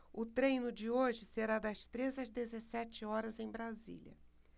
o treino de hoje será das treze às dezessete horas em brasília